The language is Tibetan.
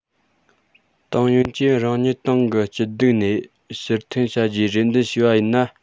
ཏང ཡོན གྱིས རང ཉིད ཏང གི སྐྱིད སྡུག ནས ཕྱིར འཐེན བྱ རྒྱུའི རེ འདུན ཞུས པ ཡིན ན